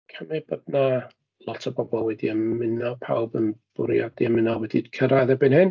Cymryd bod 'na lot o bobl wedi ymuno, pawb yn bwriadu ymuno wedi cyrraedd erbyn hyn.